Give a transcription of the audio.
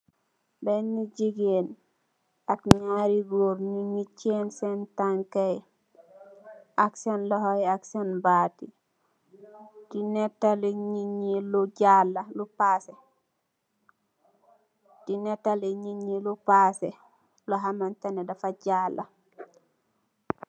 Benna gigeen ak ñaari gór, ñugeh cèèn sèèn tanka yi, ak sèèn loxoyi , ak sèèn batyi di netalli nit ñgi lu passeh.